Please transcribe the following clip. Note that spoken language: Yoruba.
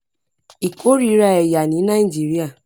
Ìkórìíra Ẹ̀yà ní Nàìjíríà